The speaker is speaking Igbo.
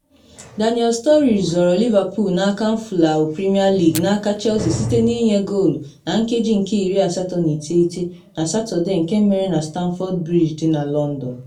Daniel Sturridge zọrọ Liverpool n’aka nfụlahụ Premier League n’aka Chelsea site na ịnye goolu na nkeji nke 89 na Satode nke mere na Stamford Bridge dị na London.